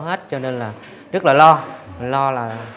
hết cho nên là rất là lo lo là